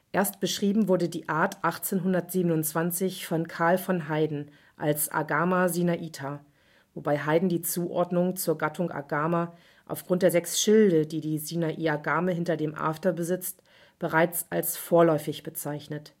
Erstbeschrieben wurde die Art 1827 von Carl von Heyden als Agama sinaita, wobei Heyden die Zuordnung zur Gattung Agama auf Grund der sechs Schilde, die die Sinai-Agame hinter dem After besitzt, bereits als vorläufig bezeichnet